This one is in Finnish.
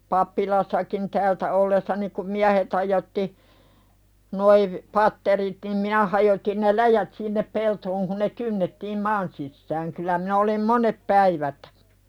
pappilassakin täältä ollessani kun miehet hajotti nuo - patterit niin minä hajotin ne läjät sinne peltoon kun ne kynnettiin maan sisään kyllä minä olin monet päivät